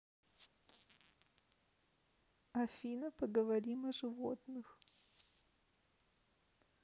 афина поговорим о животных